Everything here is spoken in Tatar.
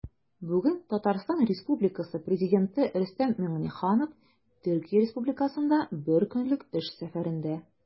Бүген Татарстан Республикасы Президенты Рөстәм Миңнеханов Төркия Республикасында бер көнлек эш сәфәрендә.